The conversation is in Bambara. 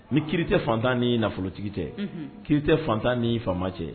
Ni kiiri tɛ faantan ni nafolotigi cɛ, unhun, kiiri tɛ faantan nii faama cɛ